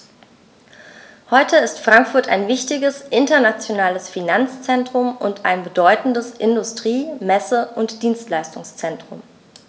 Heute ist Frankfurt ein wichtiges, internationales Finanzzentrum und ein bedeutendes Industrie-, Messe- und Dienstleistungszentrum.